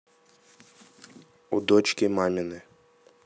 у дочки мамины